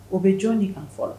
O bɛ jɔn nin kan fɔlɔ